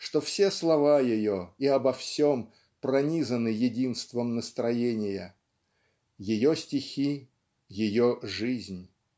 что все слова ее и обо всем пронизаны единством настроения. Ее стихи - ее жизнь.